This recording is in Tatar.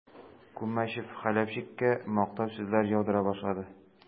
Күмәчев Хәләфчиккә мактау сүзләре яудыра башлады.